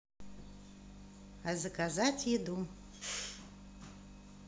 заказать еду